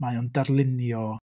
Mae o'n darlunio...